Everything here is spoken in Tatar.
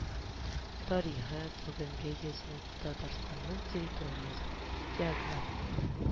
Тарихы, бүгенге йөзе, татарстанның территориясе, географик урыны,